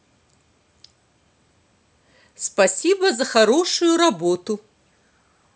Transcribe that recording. спасибо за хорошую работу